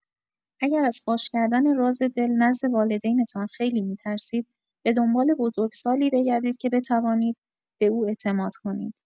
اگر از فاش کردن راز دل نزد والدینتان خیلی می‌ترسید، به‌دنبال بزرگ‌سالی بگردید که بتوانید به او اعتماد کنید.